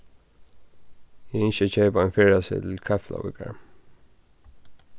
eg ynski at keypa ein ferðaseðil til keflavíkar